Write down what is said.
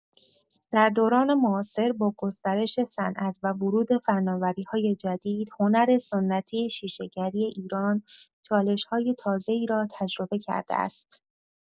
در دوران معاصر، با گسترش صنعت و ورود فناوری‌های جدید، هنر سنتی شیشه‌گری ایران چالش‌های تازه‌ای را تجربه کرده است.